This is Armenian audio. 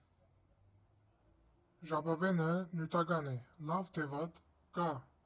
Ժապավենը՝ նյութական է, լավ թե վատ՝ կա։